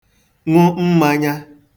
ṅụ mmānyā